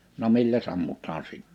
no milläs ammutaan -